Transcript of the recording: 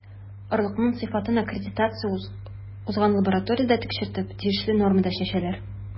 Орлыкның сыйфатын аккредитация узган лабораториядә тикшертеп, тиешле нормада чәчәләр.